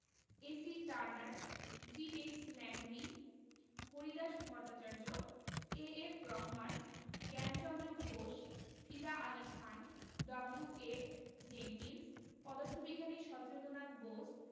AC Turner G H Langley Haridas Bhattacharya A F Rahman Gyanchandra Ghosh Fida Ali Khan W A Jenkins পদার্থবিজ্ঞানী সত্যেন্দ্রনাথ বোস